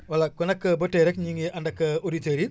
voilà kon nag ba tay rekk ñu ngi ànd ak auditeurs yi